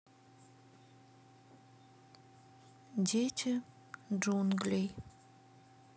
дети джунглей